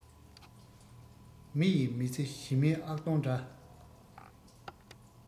མི ཡིས མི ཚེ ཞི མིའི ཨ སྟོང འདྲ